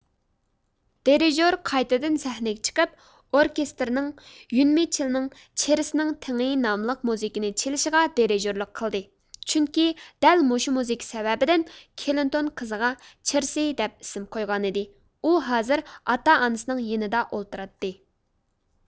دىرىژور قايتىدىن سەھنىگە چىقىپ ئوركېستىرنىڭ يۈنمىچلنىڭ چىرىسنىڭ تېڭى ناملىق مۇزىكىنى چېلىشىغا دىرىژورلۇق قىلدى چۈنكى دەل مۇشۇ مۇزىكا سەۋەبىدىن كلىنتون قىزىغا چىرسىي دەپ ئىسىم قويغانىدى ئۇ ھازىر ئاتا ئانىسىنىڭ يېنىدا ئولتۇراتتى